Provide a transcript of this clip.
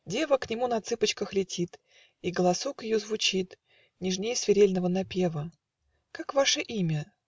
дева К нему на цыпочках летит, И голосок ее звучит Нежней свирельного напева: Как ваше имя?